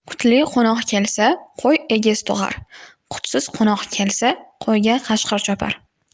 qutli qo'noq kelsa qo'y egiz tug'ar qutsiz qo'noq kelsa qo'yga qashqir chopar